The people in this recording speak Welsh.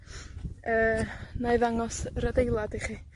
yy, nai ddangos yr adeilad i chi.